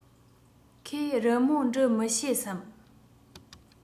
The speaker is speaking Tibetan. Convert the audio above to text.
ཁོས རི མོ འབྲི མི ཤེས སམ